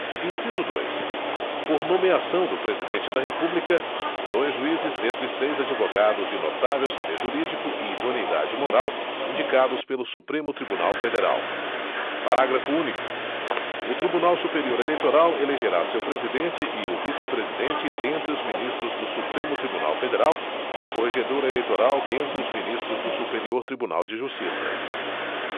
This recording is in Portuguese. inciso dois por nomeação do presidente da república dois juízes dentre seis advogados de notável saber jurídico e idoneidade moral indicados pelo supremo tribunal federal parágrafo único o tribunal superior eleitoral elegerá seu presidente e o vice presidente dentre os ministros do supremo tribunal federal e o corregedor eleitoral dentre os ministros do superior tribunal de justiça